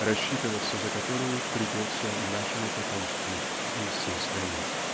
рассчитываться за которую придется нашему потомству и всей стране.